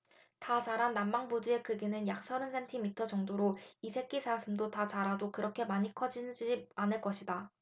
다 자란 남방부두의 크기는 약 서른 센티미터 정도로 이 새끼사슴도 다 자라도 그렇게 많이 커지지 않을 것이다